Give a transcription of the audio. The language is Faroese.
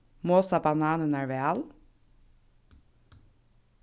mosa bananirnar væl